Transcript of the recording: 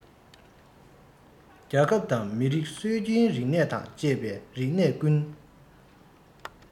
རྒྱལ ཁབ དང མི རིགས སྲོལ རྒྱུན རིག གནས དང བཅས པའི རིག གནས ཀུན